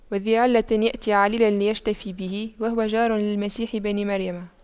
وذى علة يأتي عليلا ليشتفي به وهو جار للمسيح بن مريم